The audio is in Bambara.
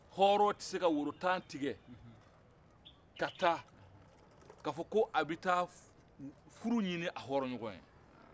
hɔrɔn tɛ se ka worotan tigɛ ka taa ka fɔ ka bɛ furu ɲini a hɔrɔn ɲɔgɔn ye